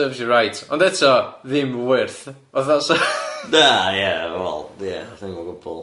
Ond eto ddim yn wyrth fatho 'sa... Na ia wel ia ddim o gwbwl.